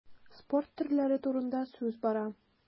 Спорт төрләре турында сүз бара.